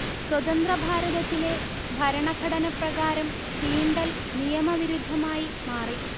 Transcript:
സ്വതന്ത്ര ഭാരതത്തിലെ ഭരണഘടന പ്രകാരം തീണ്ടൽ നിയമവിരുദ്ധമായി മാറി